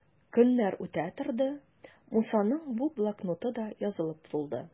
Көннәр үтә торды, Мусаның бу блокноты да язылып тулды.